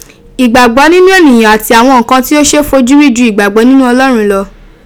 Igbagbo ninu eniyan ati awon nnkan ti o se foju ri ju igbagbo ninu Olorun lo.